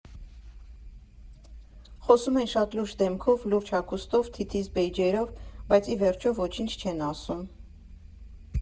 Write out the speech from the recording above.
Խոսում են շատ լուրջ դեմքով, լուրջ հագուստով, թիթիզ բեյջերով, բայց ի վերջո ոչինչ չեն ասում։